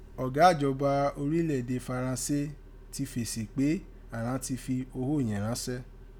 Ọga ijọba orilẹ ede Faransé ti fesi pe àghan ti fi oghó yẹ̀n ránsẹ́.